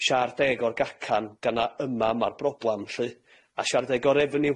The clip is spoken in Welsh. siâr deg o'r gacan gan na yma ma'r broblam lly, a siâr deg o refeniw.